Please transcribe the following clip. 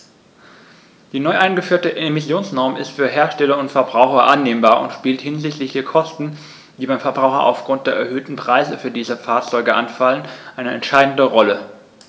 Die neu eingeführte Emissionsnorm ist für Hersteller und Verbraucher annehmbar und spielt hinsichtlich der Kosten, die beim Verbraucher aufgrund der erhöhten Preise für diese Fahrzeuge anfallen, eine entscheidende Rolle.